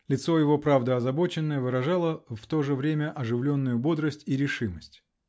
Лицо его, правда, озабоченное, выражало в то же время оживленную бодрость и решимость.